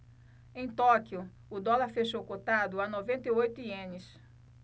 em tóquio o dólar fechou cotado a noventa e oito ienes